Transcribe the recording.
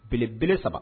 Belebele 3